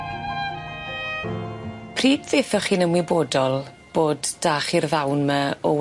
Pryd ddethoch chi'n ymwybodol bod 'dach i'r ddawn ma' o